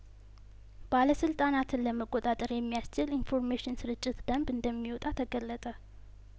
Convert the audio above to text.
ባለስልጣናትን ለመቆጣጠር የሚያስችል ኢንፎርሜሽን ስርጭት ደንብ እንደሚወጣ ተገለጠ